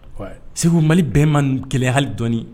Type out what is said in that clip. Seku Mali bɛn man gɛlɛn hali dɔɔnin.